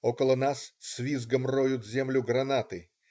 Около нас с визгом роют землю гранаты.